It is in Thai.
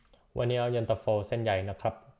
วันนี้เอาเย็นตาโฟเส้นใหญ่นะครับ